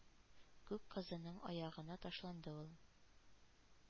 Күк кызының аягына ташланды ул.